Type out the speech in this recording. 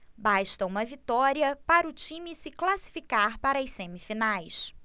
basta uma vitória para o time se classificar para as semifinais